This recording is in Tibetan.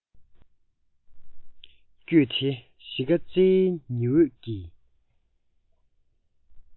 བསྐྱོད དེ གཞིས ཀ རྩེའི ཉི འོད ཀྱི